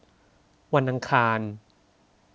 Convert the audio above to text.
วันอังคาร